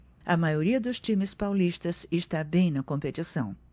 a maioria dos times paulistas está bem na competição